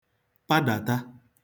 padàta